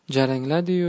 jarangladi yu